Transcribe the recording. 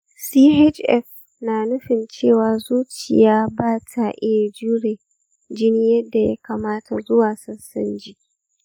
chf na nufin cewa zuciya ba ta iya tura jini yadda ya kamata zuwa sassan jiki.